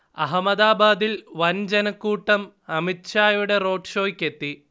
അഹമ്മദാബാദിൽ വൻ ജനക്കൂട്ടം അമിത്ഷായുടെ റോഡ് ഷോയ്ക്കെത്തി